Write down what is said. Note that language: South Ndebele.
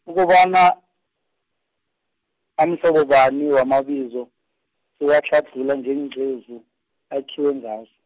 ukobana, amhlobo bani wamabizo, siwatlhadlhula ngeengcezu, akhiwe ngazo.